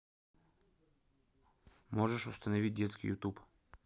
можешь установить детский ютуб